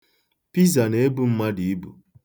Piza na-ebu mmadụ ibu.